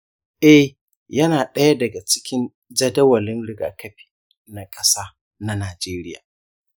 eh, yana daya daga cikin jadawalin rigakafi na kasa na najeriya.